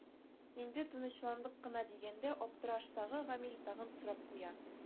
Инде тынычландык кына дигәндә аптыраштагы Гамил тагын сорап куя.